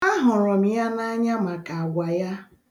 A hụrụ m ya n'anya maka agwa ya.